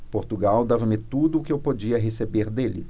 portugal dava-me tudo o que eu podia receber dele